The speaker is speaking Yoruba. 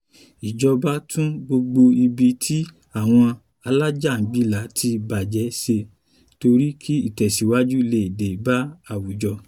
Ìjọba tún gbogbo ibi tí àwọn alájàngbilà ti bàjẹ́ ṣe torí kí ìtẹ̀síwájú lè dé bá àwùjọ.